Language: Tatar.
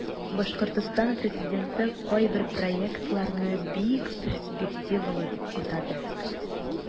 Башкортстан президенты кайбер проектларны бик перспективалы дип атады.